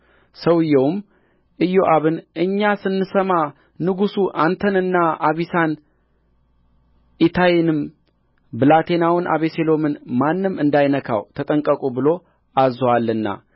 ሰውዮውም ኢዮአብን እኛ ስንሰማ ንጉሡ አንተንና አቢሳን ኢታይንም ብላቴናውን አቤሴሎምን ማንም እንዳይነካው ተጠንቀቁ ብሎ አዝዞአልና